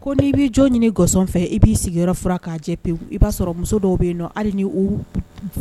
Ko n nii bɛi jɔn ɲini gansɔn fɛ i b'i sigiyɔrɔ fura k'a jɛ pe i b'a sɔrɔ muso dɔw bɛ yen hali ni